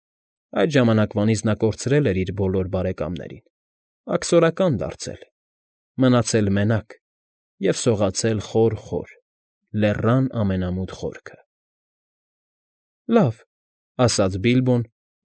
Այդ ժամանակվանից նա կորցրել էր իր բոլոր բարեկամներին, աքսորական դարձել, մնացել մենակ և սողացել խո՜ր֊խոր, լեռան ամենամութ խորքը։ ֊ Լավ,֊ ասաց Բիլբոն,